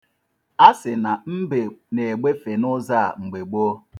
A sị na Mbe na-egbefe n'ụzọ a mgbe gboo.